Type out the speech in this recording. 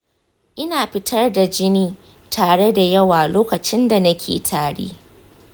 ina fitar da jini tare da yawu lokacin da nake tari.